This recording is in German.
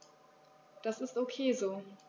Das ist ok so.